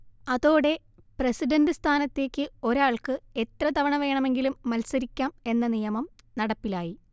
അതോടെ പ്രസിഡന്റ് സ്ഥാനത്തേക്ക് ഒരാൾക്ക് എത്രതവണ വേണമെങ്കിലും മത്സരിക്കാം എന്ന നിയമം നടപ്പിലായി